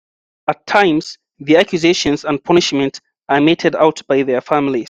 At times, the accusations and punishment are meted out by their families.